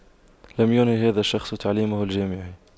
لم ينهي هذا الشخص تعليمه الجامعي